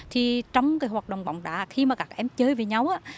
thì trong cái hoạt động bóng đá khi mà các em chơi với nhau á